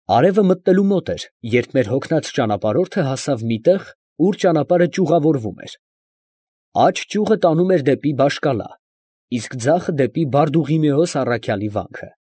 Արևը մտնելու մոտ էր, երբ մեր հոգնած ճանապարհորդը հասավ մի տեղ, ուր ճանապարհը ճյուղավորվում էր. աջ ճյուղը տանում էր դեպի Բաշ֊Կալա, իսկ ձախը դեպի Բարդուղիմեոս առաքյալի վանքը։